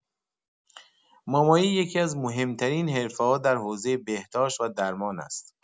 مامایی یکی‌از مهم‌ترین حرفه‌ها در حوزه بهداشت و درمان است.